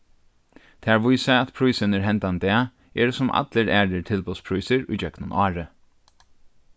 tær vísa at prísirnir henda dag eru sum allir aðrir tilboðsprísir ígjøgnum árið